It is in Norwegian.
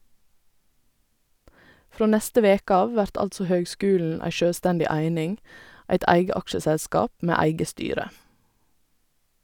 Frå neste veke av vert altså høgskulen ei sjølvstendig eining , eit eige aksjeselskap med eige styre.